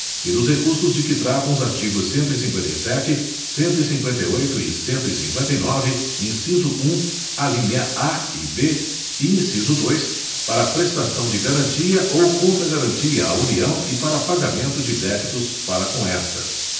e dos recursos de que tratam os artigos cento e cinquenta e sete cento e cinquenta e oito e cento e cinquenta e nove inciso um alínea a e b e inciso dois para prestação de garantia ou contragarantia à união e para pagamento de débitos para com esta